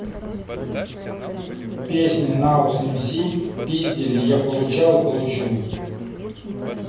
песня noize mc пиздели я получал и получу